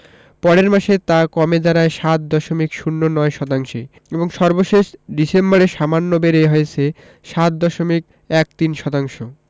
পরের মাসে তা কমে দাঁড়ায় ৭ দশমিক ০৯ শতাংশে এবং সর্বশেষ ডিসেম্বরে সামান্য বেড়ে হয়েছে ৭ দশমিক ১৩ শতাংশ